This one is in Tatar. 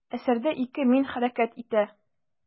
Әсәрдә ике «мин» хәрәкәт итә.